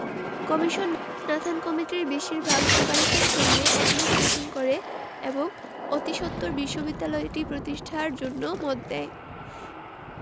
commission Nathan কমিটির বেশির ভাগ সুপারিশের সঙ্গে একমত পোষণ করে এবং অতিসত্বর বিশ্ববিদ্যালয়টি প্রতিষ্ঠার জন্য মত দেয়